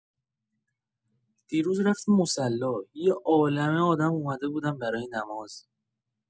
دیروز رفتیم مصلی، یه عالمه آدم اومده بودن برای نماز.